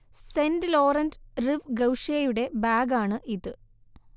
saint Laurent Rive ഗൗഷേയുടെ ബാഗാണ് ഇത്